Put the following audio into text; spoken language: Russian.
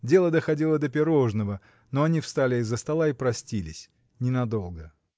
Дело доходило до пирожного, но они встали из-за стола и простились — не надолго.